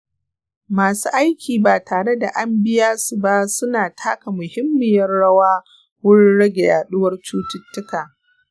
masu aiki ba tare da an biya su ba suna taka muhimmin rawa wurin rage yaɗuwan cututtuka.